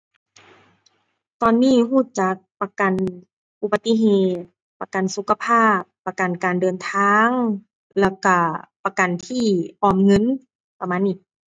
ตอนนี้รู้จักประกันอุบัติเหตุ ประกันสุขภาพ ประกันการเดินทาง แล้วรู้ประกันที่ออมเงิน ประมาณนี้